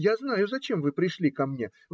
Я знаю, зачем вы пришли ко мне!